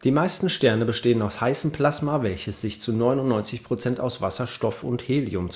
meisten Sterne bestehen aus heißem Plasma (gasförmig, zu 99 % aus Wasserstoff und Helium